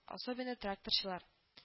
Особенно тракторчылар